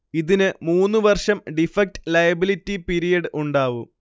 ഇതിന് മൂന്ന് വർഷം ഡിഫക്ട് ലയബിലിറ്റി പിരിയഡ് ഉണ്ടാവും